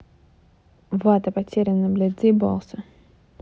вата потеряна блядь заебался